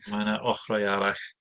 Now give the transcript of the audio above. Ma' mae 'na ochrau arall.